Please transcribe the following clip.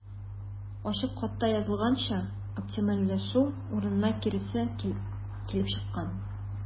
Ачык хатта язылганча, оптимальләшү урынына киресе килеп чыккан.